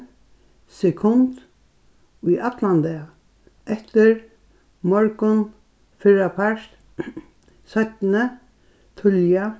sekund í allan dag eftir morgun fyrrapart seinni tíðliga